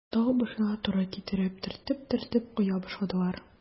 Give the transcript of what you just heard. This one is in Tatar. Тау башына туры китереп, төртеп-төртеп коя башладылар.